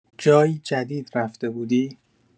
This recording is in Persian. جایی جدید رفته بودی؟